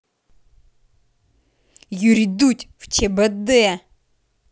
юрий дудь в чбд